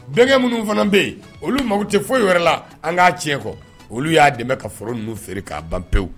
Bɛn minnu fana bɛ yen olu mago tɛ foyi yɛrɛ la an k'a tiɲɛ kɔ olu y'a dɛmɛ ka foro ninnu feere k'a ban pewu